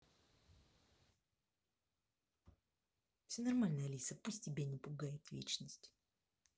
все нормально алиса пусть тебя не пугает вечность